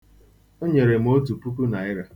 O nyere m otu puku naịra.